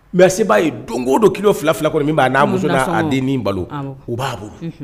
Mais se b'a ye doŋodo kilo fila-fila kɔnɔ min b'a n'a muso n'a a denni balo awɔ o b'a bolo unhun